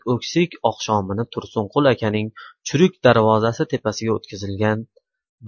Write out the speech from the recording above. o'ksik oqshomini tursunqul akaning churuk darvozasi tepasiga o'tqizilgan